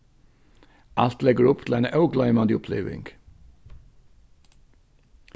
alt leggur upp til eina ógloymandi uppliving